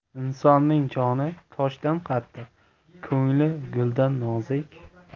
insonning joni toshdan qattiq ko'ngli guldan nozik